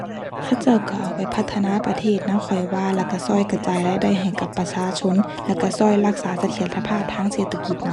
เขาเจ้าก็เอาไปพัฒนาประเทศนะข้อยว่า แล้วก็ก็กระจายรายได้ให้กับประชาชน แล้วก็ก็รักษาเสถียรภาพทางเศรษฐกิจนำ